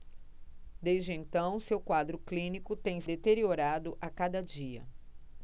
desde então seu quadro clínico tem deteriorado a cada dia